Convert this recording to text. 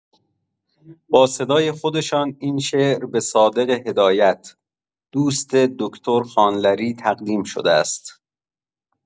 با صدای خودشان این شعر به صادق هدایت، دوست دکتر خانلری تقدیم شده است.